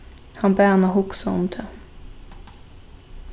hann bað hana hugsa um tað